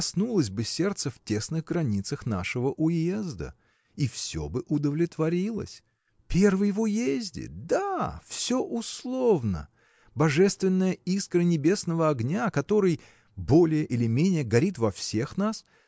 коснулось бы сердца в тесных границах нашего уезда – и все бы удовлетворилось. Первый в уезде! да! все условно. Божественная искра небесного огня который более или менее горит во всех нас